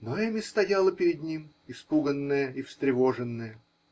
Ноэми стояла перед ним, испуганная и встревоженная.